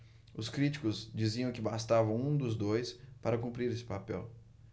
os críticos diziam que bastava um dos dois para cumprir esse papel